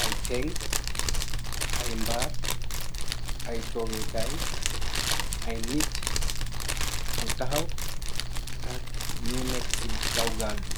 ay teee ay mbar ay togekai ay nit yu tahaw nyo nek ci kaw gal bi